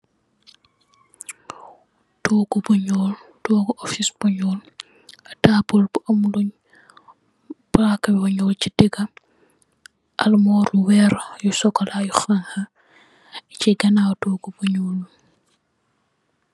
Toogu bu ñuul, toogu office bu ñuul. Taabl bu am paka bu ñuul ci diga. Almor verr yu sokola yu hankha chi ganaaw toogu bu ñuul bi.